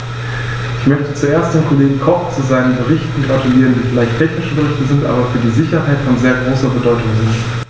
Ich möchte zuerst dem Kollegen Koch zu seinen Berichten gratulieren, die vielleicht technische Berichte sind, aber für die Sicherheit von sehr großer Bedeutung sind.